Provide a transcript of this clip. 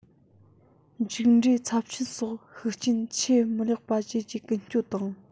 མཇུག འབྲས ཚབས ཆེན སོགས ཤུགས རྐྱེན ཆེས མི ལེགས པ བཅས ཀྱི ཀུན སྤྱོད དང